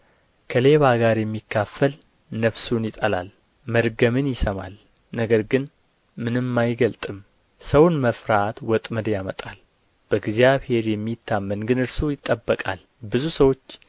ከሌባ ጋር የሚካፈል ነፍሱን ይጠላል መርገምን ይሰማል ነገር ግን ምንም አይገልጥም ሰውን መፍራት ወጥመድ ያመጣል በእግዚአብሔር የሚታመን ግን እርሱ ይጠበቃል ብዙ ሰዎች